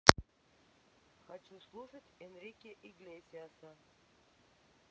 хочу слушать энрике иглесиаса